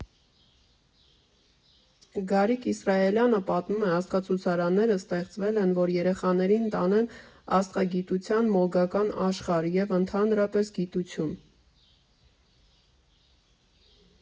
Գարիկ Իսրայելյանը պատմում է՝ աստղացուցարանները ստեղծվել են, որ երեխաներին տանեն աստղագիտության մոգական աշխարհ և, ընդհանրապես, գիտություն։